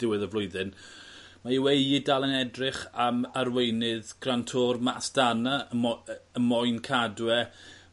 diwedd y flwyddyn mae You Ay Ee dal yn edrych am arweinydd Gran' Tour ma' Astana moy- yy yn moyn cadw e